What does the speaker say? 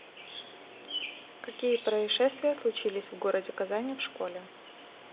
какие происшествия случились в городе казани в школе